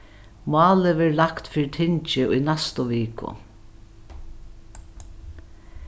málið verður lagt fyri tingið í næstu viku